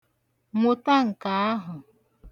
Nwụta nke ahụ.